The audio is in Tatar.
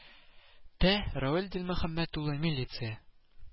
Тә, равил дилмөхәммәт улы милиция